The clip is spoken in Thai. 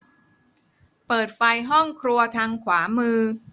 เปิดไฟห้องครัวทางขวามือ